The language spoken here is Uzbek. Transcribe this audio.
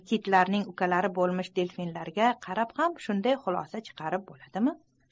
kitlarning ukalari bolmish del'finlarga qarab ham shunday xulosa chiqarsa boladi